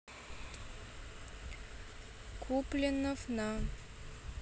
kuplinov на